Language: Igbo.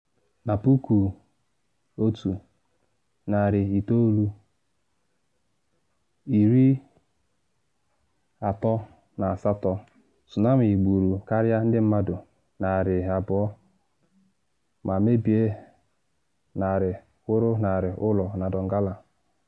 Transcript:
Na 1938, tsunami gburu karịa ndị mmadụ 200 ma mebie narị kwụrụ narị ụlọ na Donggala.